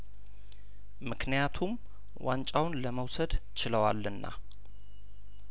ምክንያቱም ዋንጫውን ለመውሰድ ችለዋልና